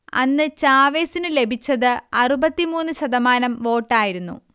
അന്ന് ചാവെസിനു ലഭിച്ചത് അറുപത്തി മൂന്ന് ശതമാനം വോട്ടായിരുന്നു